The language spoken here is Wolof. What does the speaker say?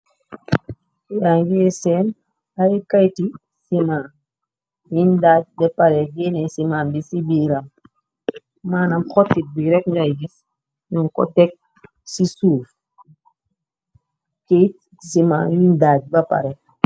Ya ngir seen ay kayti yu mac siman yiñ daaji be pare genne siman bi ci biiram manam xotit bi rekk njay gis ñuñ ko teg ci suuf keyt siman yiñ daaji be pare.